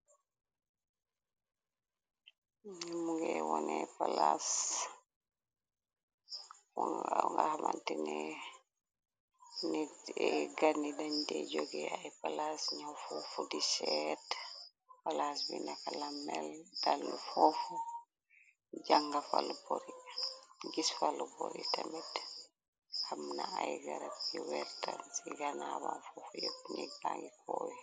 Lemugi wone palas nit ganni dañ de jóge ay palaas ñaw foofu di sheet palaas bi nakala mel dal foofu jànga fal bori gis falu bori tamit am na ay garab yi wertar ci ganaban foofu yopp njek bangi koo wi.